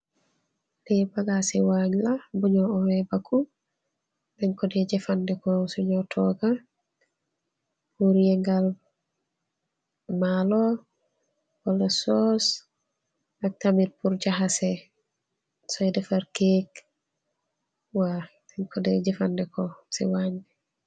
Bi bagasi wann la, bunyu oyeh baku, denkodeh jefandeko sunyu toga, pur yengal maalo, wala sauce, ak tamit purr jahasseh soi defarr cake, waw nyuko jefandeko si wann bi.